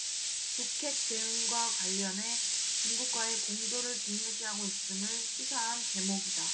북핵 대응과 관련해 중국과의 공조를 중요시하고 있음을 시사한 대목이다